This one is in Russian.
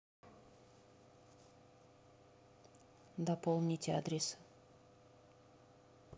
дополнить адрес